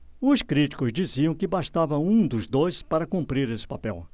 os críticos diziam que bastava um dos dois para cumprir esse papel